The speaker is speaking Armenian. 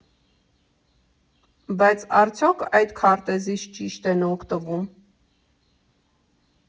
Բայց արդյոք այդ քարտեզից ճի՞շտ են օգտվում։